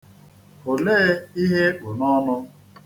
Olee ihe i kpụ n'ọnụ?